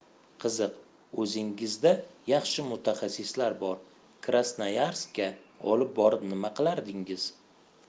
qiziq o'zingizda yaxshi mutaxassislar bor krasnoyarskka olib borib nima qilardingiz